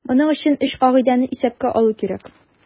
Моның өчен өч кагыйдәне исәпкә алу кирәк.